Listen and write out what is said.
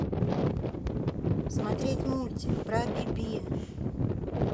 смотреть мультик про би би